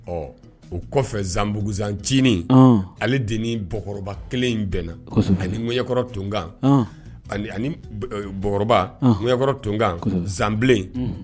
Ɔ o kɔfɛ zanbuguzancinin, ɔn, ale de ni Bakɔrɔba kelen in bɛnna kosɛbɛ ani ŋyɔkɔrɔ Tunkan ani Bakɔrɔba, Ŋyɔkɔrɔ Tunkan, Bakɔrɔ Bilen